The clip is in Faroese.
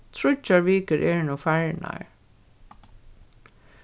tríggjar vikur eru nú farnar